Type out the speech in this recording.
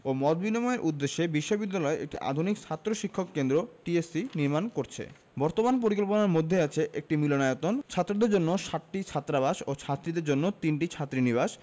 ও মত বিনিময়ের উদ্দেশ্যে বিশ্ববিদ্যালয় একটি আধুনিক ছাত্র শিক্ষক কেন্দ্র টিএসসি নির্মাণ করছে বর্তমান পরিকল্পনার মধ্যে আছে একটি মিলনায়তন ছাত্রদের জন্য সাতটি ছাত্রাবাস ও ছাত্রীদের জন্য তিনটি ছাত্রীনিবাস